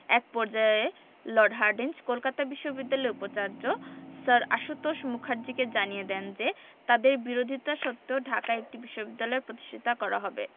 এক পর্যায়ে Lord Hardinge Kolkata বিশ্ববিদ্যালয়ে উপাচার্য স্যার আশুতোষ মুখার্জীকে জানিয়ে দেন যে তাঁদের বিরোধিতা সত্ত্বেও ঢাকায় একটি বিশ্ববিদ্যালয় প্রতিষ্ঠাতা করা হবে